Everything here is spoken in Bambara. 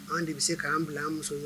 Anw de be se k'an bila an muso